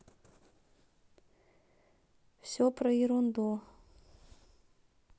все про ерунду